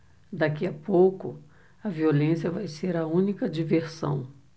daqui a pouco a violência vai ser a única diversão